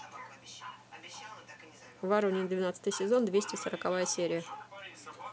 воронины двенадцатый сезон двести сороковая серия